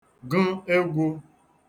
ġə̣ egwū